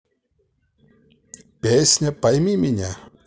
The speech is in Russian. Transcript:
песня пойми меня